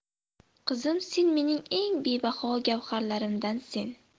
qizim sen mening eng bebaho gavharlarimdansen